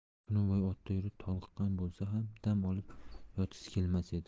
kuni bo'yi otda yurib toliqqan bo'lsa ham dam olib yotgisi kelmas edi